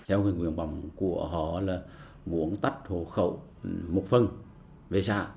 theo hướng nguyện vọng của họ là muốn tách hộ khẩu một phần về cha